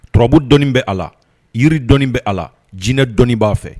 Turabu dɔnni bɛ a la, yiri dɔnni bɛ a la, jinɛ dɔnni b'a fɛ